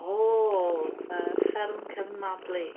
O, yy, Fferm Cefn Mabli.